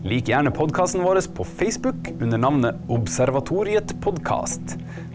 lik gjerne podkasten vår på Facebook under navnet Observatoriet podkast!